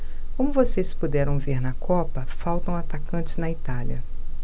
como vocês puderam ver na copa faltam atacantes na itália